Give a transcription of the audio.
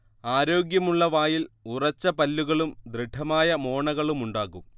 ആരോഗ്യമുള്ള വായിൽ ഉറച്ച പല്ലുകളും ദൃഢമായ മോണകളുമുണ്ടാകും